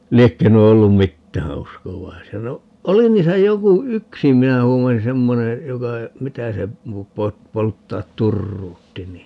liekö nuo ollut mitään uskovaisia no oli niissä joku yksi minä luulen semmoinen joka mitä se -- polttaa turruutti niin